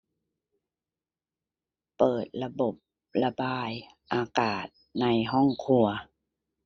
เปิดระบบระบายอากาศในห้องครัว